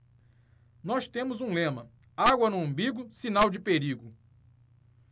nós temos um lema água no umbigo sinal de perigo